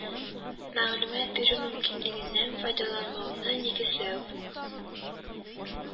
Мәгълүмат бирү мөмкинлегеннән файдаланмауны нигезләү